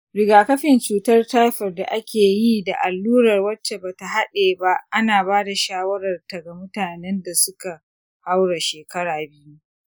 rigakafin cutar taifoid da ake yi da allura wacce ba ta haɗe ba ana ba da shawarar ta ga mutanen da suka haura shekara biyu.